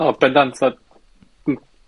O bendant, a m-